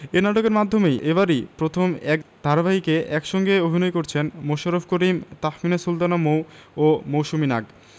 এ নাটকের মাধ্যমেই এবারই প্রথম এক ধারাবাহিকে একসঙ্গে অভিনয় করছেন মোশাররফ করিম তাহমিনা সুলতানা মৌ ও মৌসুমী নাগ